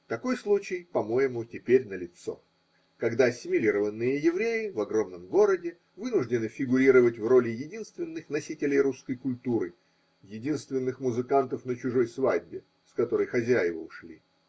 Такой случай, по-моему, теперь налицо, когда ассимилированные евреи в огромном городе вынуждены фигурировать в роли единственных носителей русской культуры – единственных музыкантов на чужой свадьбе, с которой хозяева ушли.